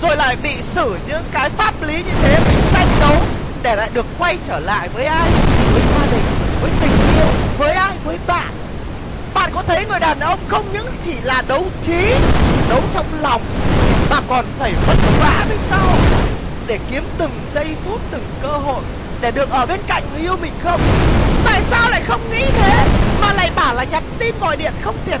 rồi lại bị xử những cái pháp lý như thế phải tranh đấu để lại được quay trở lại với ai với gia đình với tình yêu với ai với bạn bạn có thấy người đàn ông không những chỉ là đấu trí đấu trong lòng mà còn phải vất vả với xã hội để kiếm từng giây phút từng cơ hội để được ở bên cạnh người yêu mình không tại sao lại không nghĩ thế mà lại bảo là nhắn tin gọi điện không thèm